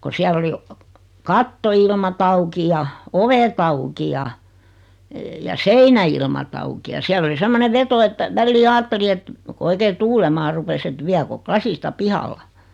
kun siellä oli kattoilmat auki ja ovet auki ja ja seinäilmat auki ja siellä oli semmoinen veto että väliin ajatteli että kun oikein tuulemaan rupesi että viekö lasista pihalla